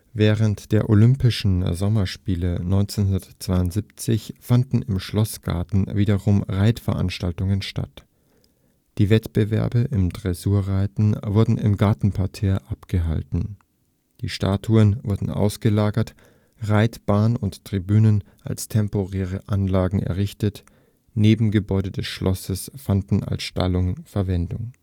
Während der Olympischen Sommerspiele 1972 fanden im Schlossgarten wiederum Reitveranstaltungen statt: Die Wettbewerbe im Dressurreiten wurden im Gartenparterre abgehalten. Die Statuen wurden ausgelagert, Reitbahn und Tribünen als temporäre Anlagen errichtet, Nebengebäude des Schlosses fanden als Stallungen Verwendung